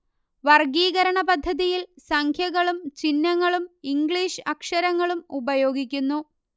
വർഗ്ഗീകരണ പദ്ധതിയിൽ സംഖ്യകളും ചിഹ്നങ്ങളും ഇംഗ്ലീഷ് അക്ഷരങ്ങളും ഉപയോഗിക്കുന്നു